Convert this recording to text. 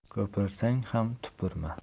ko'pirsang ham tupurma